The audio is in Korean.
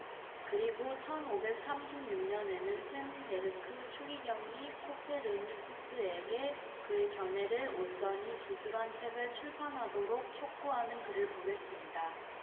그리고 천 오백 삼십 육 년에는 쇤베르크 추기경이 코페르니쿠스에게 그의 견해를 온전히 기술한 책을 출판하도록 촉구하는 글을 보냈습니다